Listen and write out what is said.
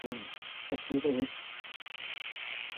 O, technical hitch.